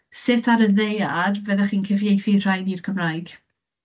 Sut ar y ddaear fyddech chi'n cyfieithu'r rhain i'r Cymraeg?